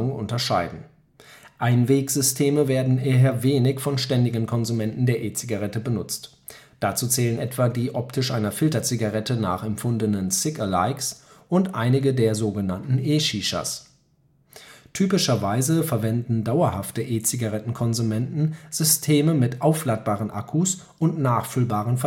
unterscheiden. Einwegsysteme werden eher wenig von ständigen Konsumenten der E-Zigarette benutzt. Dazu zählen etwa die optisch einer Filterzigarette nachempfundenen „ Cig-a-likes “und einige der sogenannten E-Shishas. Typischerweise verwenden dauerhafte E-Zigarettenkonsumenten Systeme mit aufladbaren Akkus und nachfüllbaren